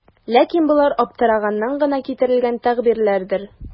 Ләкин болар аптыраганнан гына китерелгән тәгъбирләрдер.